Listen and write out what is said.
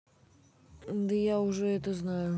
да я уже это знаю